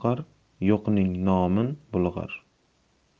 yulqar yo'qning nomin bulg'ar